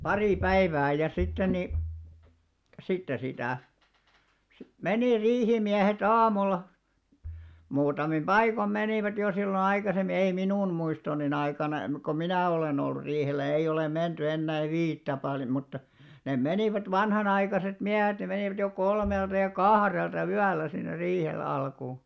pari päivää ja sitten niin sitten sitä - meni riihimiehet aamulla muutamin paikoin menivät jo silloin aikaisemmin ei minun muistoni aikana - kun minä olen ollut riihellä ei ole menty ennen viittä paljon mutta ne menivät vanhanaikaiset miehet ne menivät jo kolmelta ja kahdelta yöllä sinne riihelle alkuun